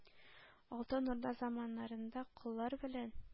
Алтын Урда заманнарында коллар белән